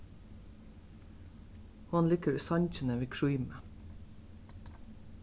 hon liggur í songini við krími